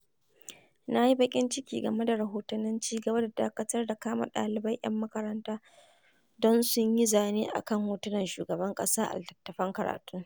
Na yi baƙin ciki game da rahotannin cigaba da dakatarwa da kama ɗalibai 'yan makaranta don sun yi zane a kan hotunan shugaban ƙasa a littattafan karatu.